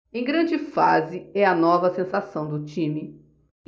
em grande fase é a nova sensação do time